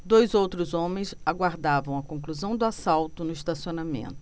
dois outros homens aguardavam a conclusão do assalto no estacionamento